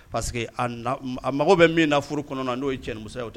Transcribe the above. Parce que a mago bɛ min na furu kɔnɔna na n'o ye cɛnimusoya ye, o tɛ